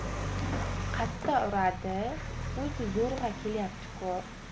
qatta uradi o'zi zo'rg'a kelyapti ku